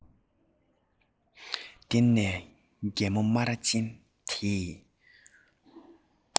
བསྟུན ནས རྒད པོ སྨ ར ཅན དེས